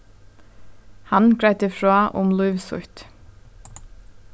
hann greiddi frá um lív sítt